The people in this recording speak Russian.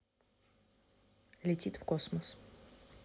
летит в космос